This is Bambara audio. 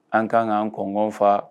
An kan ka an kɔnkɔn fa